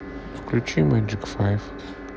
включи меджик файф